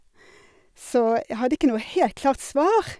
Så, jeg hadde ikke noe helt klart svar.